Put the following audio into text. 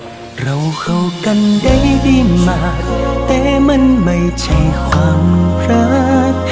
mình hợp nhau đến như vậy thế nhưng không phải là yêu